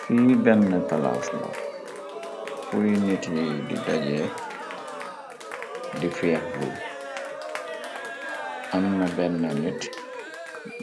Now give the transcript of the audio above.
Fi benn palaasno fuy nit yi di daje di feex bul amna benn nit